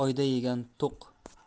oyda yegan to'q